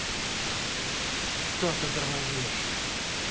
что ты тормозишь